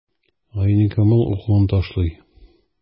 Гайникамал укуын ташлый.